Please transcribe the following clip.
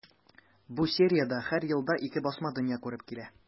Бу сериядә һәр елда ике басма дөнья күреп килә.